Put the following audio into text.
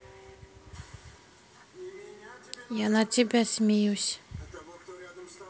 я на тебя смеюсь